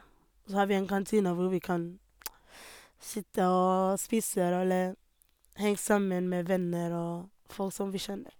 Og så har vi en kantine hvor vi kan sitte og spiser eller henge sammen med venner og folk som vi kjenner.